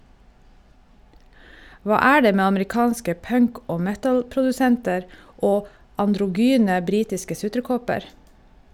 Hva er det med amerikanske punk- og metalprodusenter og androgyne britiske sutrekopper?